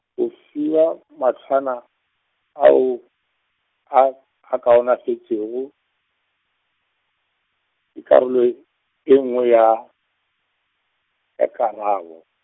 go fiwa matlwana, ao, a a kaonafetšego, ke karolo ye nngwe ya, ya karabo.